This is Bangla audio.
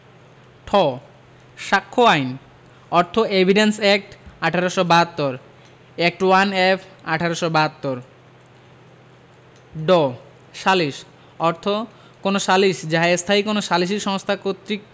ঠ সাক্ষ্য আইন অর্থ evidence act. ১৮৭২ act one F ১৮৭২ ড সালিস অর্থ কোন সালিস যাহা স্থায়ী কোন সালিসী সংস্থা কর্তৃক